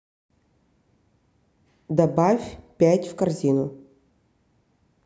добавить пять в корзину